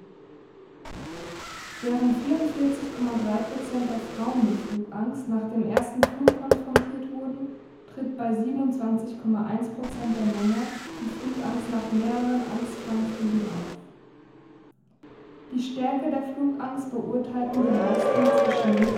Während die meisten Frauen (44,3 %) mit der Flugangst nach dem ersten Flug konfrontiert wurden, tritt bei den meisten Männern (27,1 %) die Flugangst nach mehreren angstfreien Flügen auf. Die Stärke der Flugangst beurteilten die meisten zwischen